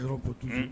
un